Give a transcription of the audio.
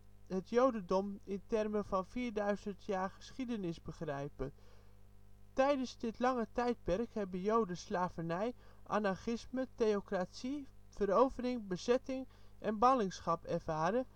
jodendom in termen van 4000 jaar geschiedenis begrijpen. Tijdens dit lange tijdperk hebben joden slavernij, anarchisme, theocratie, verovering, bezetting en ballingschap ervaren